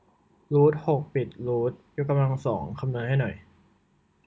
รูทหกปิดรูทยกกำลังสองคำนวณให้หน่อย